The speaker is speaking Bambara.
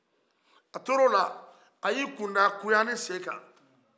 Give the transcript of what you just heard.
a tora o la a ye a kun da koya ni se kan